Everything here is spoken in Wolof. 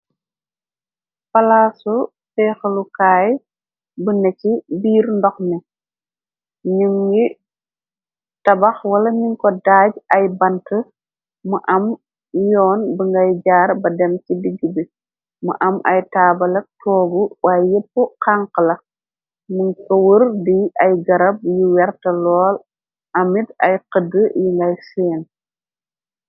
Palaasu feex lukaay bu neci biir ndox ni ñu ngi tabax wala nuñ ko daaj ay bant mu am yoon bu ngay jaar ba dem ci digg bi mu am ay taabalak toobu waay yépp xanxla mun ko wër di ay garab yu werta lool amid ay xëddi yi ngay seen.